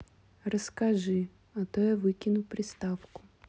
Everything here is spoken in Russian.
расскажи а то я выкину приставку